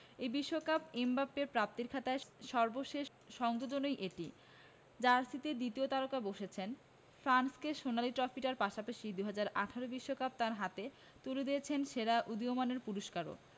এই বিশ্বকাপ এমবাপ্পের প্রাপ্তির খাতায় সর্বশেষ সংযোজনই এটি জার্সিতে দ্বিতীয় তারকা বসেছে ফ্রান্সকে সোনালি ট্রফিটার পাশাপাশি ২০১৮ বিশ্বকাপ তাঁর হাতে তুলে দিয়েছে সেরা উদীয়মানের পুরস্কারও